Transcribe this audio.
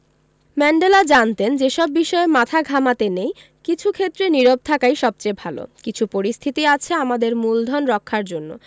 Mandela জানতেন যে সব বিষয়ে মাথা ঘামাতে নেই কিছু ক্ষেত্রে নীরব থাকাই সবচেয়ে ভালো কিছু পরিস্থিতি আছে আমাদের মূলধন রক্ষার জন্য